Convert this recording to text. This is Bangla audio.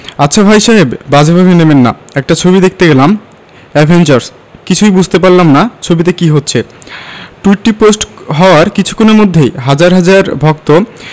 আচ্ছা ভাই সাহেব বাজে ভাবে নেবেন না একটা ছবি দেখতে গেলাম অ্যাভেঞ্জার্স কিছু বুঝতেই পারলাম না ছবিতে কী হচ্ছে টুইটটি পোস্ট হওয়ার কিছুক্ষণের মধ্যেই হাজার হাজার ভক্ত